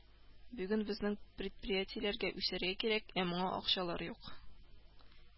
Бүген безнең предприятиеләргә үсәргә кирәк, ә моңа акчалар юк